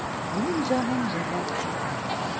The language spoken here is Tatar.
Минем җаным җырлап кайта.